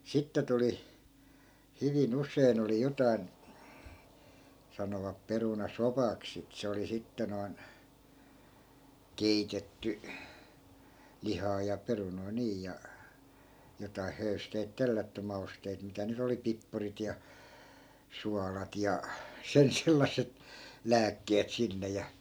sitten tuli hyvin usein oli jotakin sanovat perunasopaksi sitä se oli sitten noin keitetty lihaa ja perunoita niin ja jotakin höysteitä tellätty mausteita mitä nyt oli pippurit ja suolat ja sen sellaiset lääkkeet sinne ja